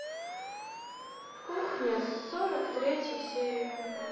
кухня сорок третья серия